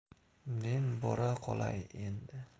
men bora qolay endi